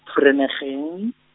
Vereeniging.